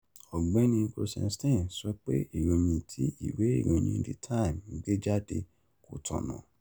Ọ̀gbẹ́ni Rosenstein sọ pé ìròyìn tí ìwé ìròyìn The Times gbé jáde kò tọ̀nà.